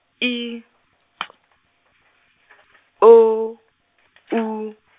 I T, O, U.